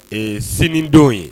Ee sinidon ye